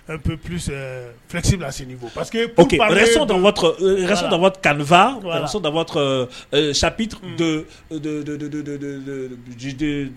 P pp fisi lase pa que p que d ma taninfa saptijite